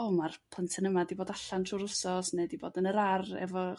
o ma'r plentyn yma 'di fod allan trw'r ws'os ne' 'di fod yn yr ar' efo